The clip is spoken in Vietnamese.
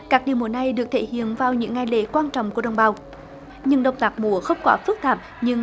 các điệu múa này được thể hiện vào những ngày lễ quan trọng của đồng bào những động tác múa không quá phức tạp nhưng